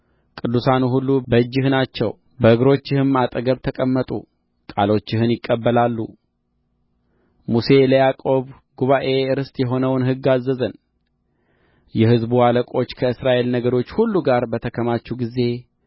ቅዱሳኑ ሁሉ በእጅህ ናቸው በእግሮችህም አጠገብ ተቀመጡ ቃሎችህን ይቀበላሉ ሙሴ ለያዕቆብ ጉባኤ ርስት የሆነውን ሕግ አዘዘን የሕዝቡ አለቆች ከእስራኤል ነገዶች ሁሉ ጋር በተከማቹ ጊዜ